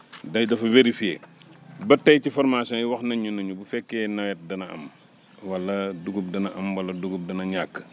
dañ ko fa vérifier ba tey ci formation yi wax nañ ñu ne ñu bu fekkee nawet dana am wala dugub dana am wala dugub dana ñàkk